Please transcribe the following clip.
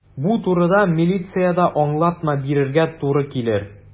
Бу турыда милициядә аңлатма бирергә туры килер.